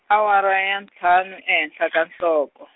awara ya ntlhanu ehenhla ka nhloko.